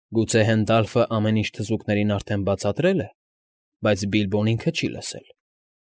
Գուցե Հենդլաֆն ամեն ինչ թզուկներին արդեն բացատրել է, բայց Բիլբոն ինքը չի լսել։